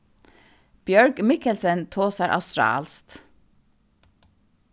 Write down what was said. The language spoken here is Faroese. bjørg mikkelsen tosar australskt